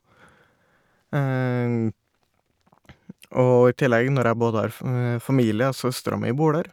Og i tillegg når jeg både har f familie, og søstera mi bor der.